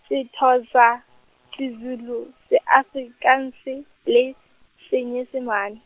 Sethosa, Sezulu, Seaforikanse le, Senyesemane.